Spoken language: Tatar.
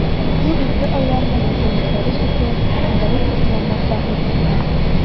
Бу изге айларны мөмкинлекләре чикле, инвалид мөселманнар сагынып көткән.